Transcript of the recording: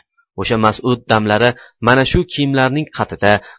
o'sha mas'ud damlari mana shu kiyimlarning qatida